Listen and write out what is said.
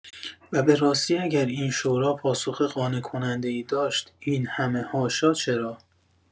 و به‌راستی اگر این شورا پاسخ قانع کننده‌ای داشت، این همه حاشا چرا؟